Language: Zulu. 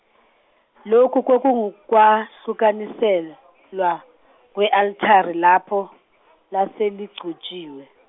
lokho kwakungokokwahlukaniselwa, kwe altare lapho, lase ligcotshiwe.